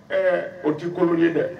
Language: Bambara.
Ɛɛ o di kolo ye dɛ